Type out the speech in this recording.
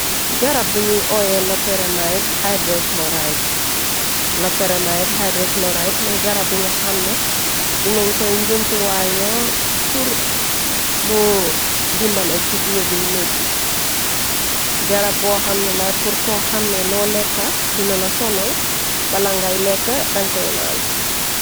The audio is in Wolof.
Garab biñuy oye loporamide hydrocloride, loporamide hydrocloride, mëy garab bi nga xamne, dinañ koy njumtiwaayoo pur mu dimbala ci biir buy méti, garab boo xamne la pur ko xamne loo lekka dina la sonal, bala ngay lekka dan koy naan.